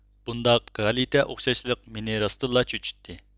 بۇنداق غەلىتە ئوخشاشلىق مېنى راستىنلا چۆچۈتتى